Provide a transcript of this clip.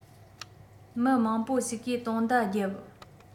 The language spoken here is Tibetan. མི མང པོ ཞིག གིས དུང བརྡ བརྒྱབ